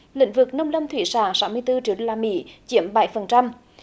lĩnh vực nông lâm thủy sản sáu mươi tư triệu đô la mỹ chiếm bảy phần trăm